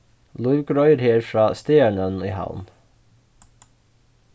lív greiðir her frá staðarnøvnum í havn